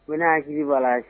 Ni ne hakili b'ala